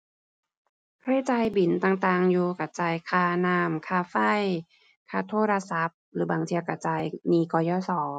เคยจ่ายบิลต่างต่างอยู่ ก็จ่ายค่าน้ำ ค่าไฟ ค่าโทรศัพท์ หรือบางเที่ยก็จ่ายหนี้ กยศ.